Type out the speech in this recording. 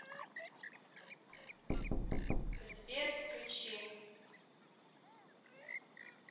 сбер включи